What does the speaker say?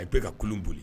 A bɛka ka kun boli